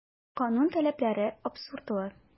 Канун таләпләре абсурдлы.